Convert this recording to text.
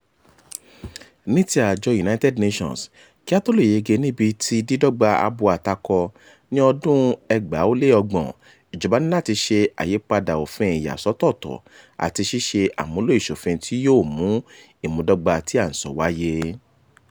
Ní ti àjọ United Nations, kí a tó lè yege níbi ti dídọ́gba abo atakọ ní ọdún-un 2030, ìjọba ní láti ṣe àyípadà òfin ìyàsọ́tọ̀ọtọ̀ àti ṣíṣe àmúlò ìṣòfin tí yóò mú ìmúdọ́gba tí à ń sọ wáyé.